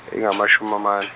ingamashum' amane.